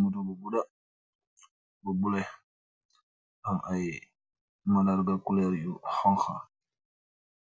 Moto bu guda bu bulo m ayy madar ko colu yu xooxa